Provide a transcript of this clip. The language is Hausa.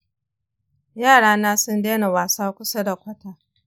ƴarana sun daina wasa kusa da kwata.